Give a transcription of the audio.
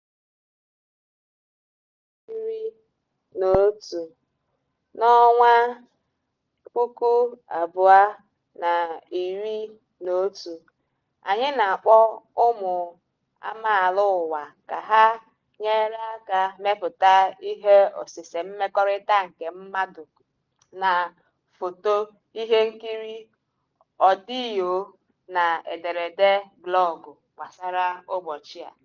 Na Nọvemba, na 11/11/11 anyị na-akpọ ụmụ amaala ụwa ka ha nyere aka mepụta ihe osise mmekọrịta nke mmadụ na: foto, ihe nkiri, ọdịyo, na ederede blọọgụ gbasara ụbọchị a.